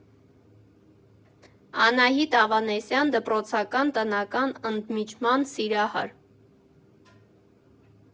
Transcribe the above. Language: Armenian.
Անահիտ Ավանեսյան, դպրոցական, տնական ընդմիջման սիրահար։